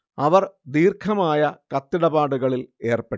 അവർ ദീർഘമായ കത്തിടപാടുകളിൽ ഏർപ്പെട്ടു